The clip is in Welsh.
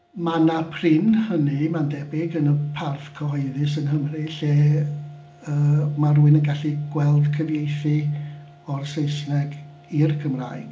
Mannau prin hynny mae'n debyg yn y parth cyhoeddus yng Nghymru, lle yy ma' rywun yn gallu gweld cyfieithu o'r Saesneg i'r Gymraeg.